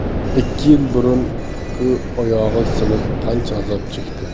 ikki yil burun ku oyog'i sinib qancha azob chekdi